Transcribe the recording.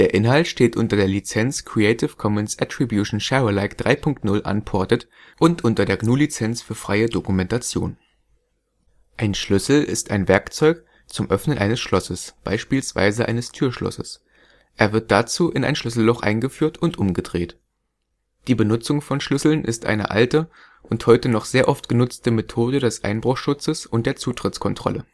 Inhalt steht unter der Lizenz Creative Commons Attribution Share Alike 3 Punkt 0 Unported und unter der GNU Lizenz für freie Dokumentation. Der Titel dieses Artikels ist mehrdeutig. Weitere Bedeutungen sind unter Schlüssel (Begriffsklärung) aufgeführt. Diverse Schlüssel Zwei gleiche Schlüssel Ein Schlüssel ist ein Werkzeug zum Öffnen eines Schlosses, beispielsweise eines Türschlosses. Er wird dazu in ein Schlüsselloch eingeführt und umgedreht. Die Benutzung von Schlüsseln ist eine alte und heute noch sehr oft genutzte Methode des Einbruchschutzes und der Zutrittskontrolle